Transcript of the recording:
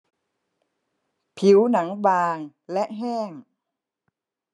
ผิวหนังบางและแห้ง